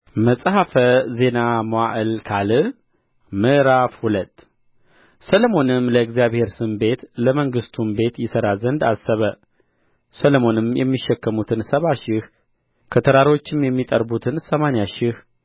መጽሐፈ ዜና መዋዕል ካልዕ ምዕራፍ ሁለት ሰሎሞንም ለእግዚአብሔር ስም ቤት ለመንግሥቱም ቤት ይሠራ ዘንድ አሰበ ሰሎሞንም የሚሸከሙትን ሰባ ሺህ ከተራሮችም የሚጠርቡትን ሰማኒያ ሺህ